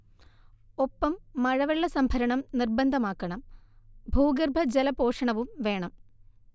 ഒപ്പം മഴവെള്ള സംഭരണം നിർബന്ധമാക്കണം ഭൂഗർഭജലപോഷണവും വേണം